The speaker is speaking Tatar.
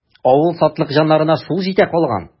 Авыл сатлыкҗаннарына шул җитә калган.